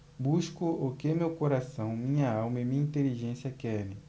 busco o que meu coração minha alma e minha inteligência querem